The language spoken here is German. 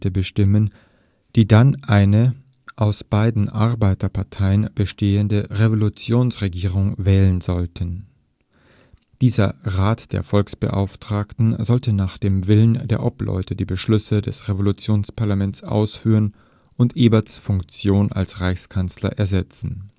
bestimmen, die dann eine aus beiden Arbeiterparteien bestehende Revolutionsregierung wählen sollten. Dieser Rat der Volksbeauftragten sollte nach dem Willen der Obleute die Beschlüsse des Revolutionsparlaments ausführen und Eberts Funktion als Reichskanzler ersetzen